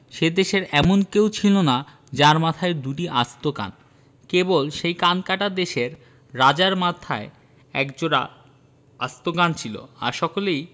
সে দেশে এমন কেউ ছিল না যার মাথায় দুটি আস্ত কান কেবল সেই কানকাটা দেশের রাজার মাথায় একজোড়া আস্ত কান ছিল আর সকলেই